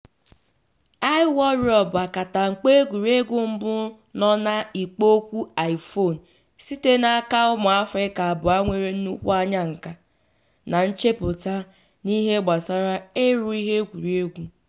iWarrior bụ akantamkpo egwuregwu mbụ nọ na ikpo okwu iPhone site n'aka ụmụ Afrịka abụọ nwere nnukwu anya nkà na nchepụta n'ihe gbasara ịrụ ihe egwuregwu.